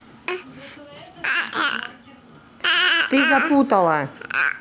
ты запутала